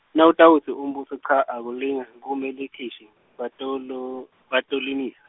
Nawutawutsi umbuso cha akujinge kume likhishi batolo-, batalimisa.